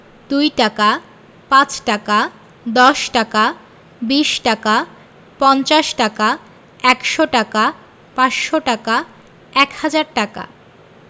২ টাকা ৫ টাকা ১০ টাকা ২০ টাকা ৫০ টাকা ১০০ টাকা ৫০০ টাকা ১০০০ টাকা